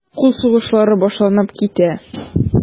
Кул сугышлары башланып китә.